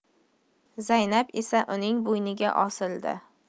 zaynab esa uning bo'yniga osildi